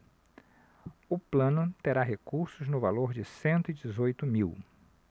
o plano terá recursos no valor de cento e dezoito mil